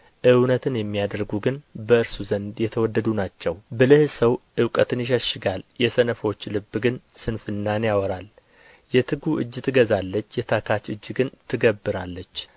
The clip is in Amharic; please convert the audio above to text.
እውነትን የሚያደርጉ ግን በእርሱ ዘንድ የተወደዱ ናቸው ብልህ ሰው እውቀትን ይሸሽጋል የሰነፎች ልብ ግን ስንፍናን ያወራል የትጉ እጅ ትገዛለች የታካች እጅ ግን ትገብራለች